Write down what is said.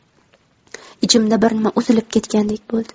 ichimda bir nima uzilib ketgandek bo'ldi